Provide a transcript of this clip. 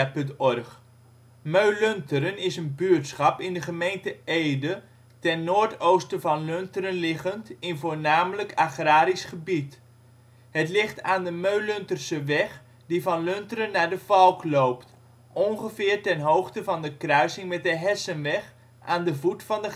OL Meulunteren Plaats in Nederland Situering Provincie Gelderland Gemeente Ede Coördinaten 52° 6′ NB, 5° 38′ OL Portaal Nederland Meulunteren is een buurtschap in de gemeente Ede ten noord-oosten van Lunteren liggend in voornamelijk agrarisch gebied. Het ligt aan de Meulunterseweg die van Lunteren naar De Valk loopt, ongeveer ter hoogte van de kruising met de Hessenweg aan de voet van de